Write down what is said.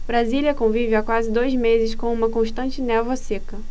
brasília convive há quase dois meses com uma constante névoa seca